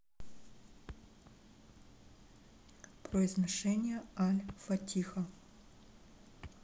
произношение аль фатиха